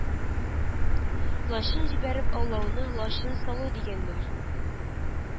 Лачын җибәреп аулауны лачын салудигәннәр